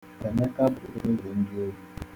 Emeka bụ eze ndi ohi.